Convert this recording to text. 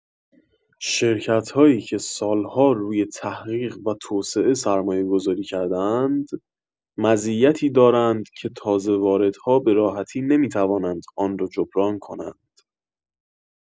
شرکت‌هایی که سال‌ها روی تحقیق و توسعه سرمایه‌گذاری کرده‌اند، مزیتی دارند که تازه‌واردها به‌راحتی نمی‌توانند آن را جبران کنند.